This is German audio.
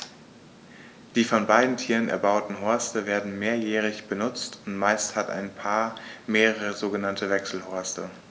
Die von beiden Tieren erbauten Horste werden mehrjährig benutzt, und meist hat ein Paar mehrere sogenannte Wechselhorste.